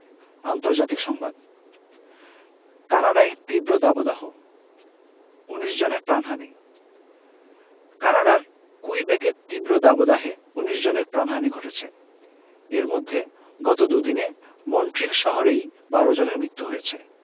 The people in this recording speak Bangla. আন্তর্জাতিক সংবাদ কানাডায় তীব্র দাবদাহ ১৯ জনের প্রাণহানি কানাডার কুইবেকে তীব্র দাবদাহে ১৯ জনের প্রাণহানি ঘটেছে এর মধ্যে গত দুদিনে মন্ট্রিল শহরেই ১২ জনের মৃত্যু হয়েছে